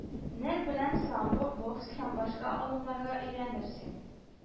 Нер белән самбо, бокс һәм башка алымнарга өйрәнерсең